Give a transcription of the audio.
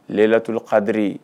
lelattulo kadiri